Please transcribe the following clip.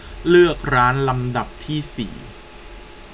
เลือกร้านลำดับที่สี่